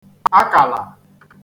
akàlà